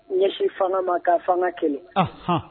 Ɲɛsi fanga ma ka fanga kɛlɛ, anhan.